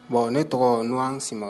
Bon ne tɔgɔ Nuhan Sima